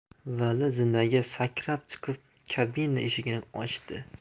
vali zinaga sakrab chiqib kabina eshigini ochdi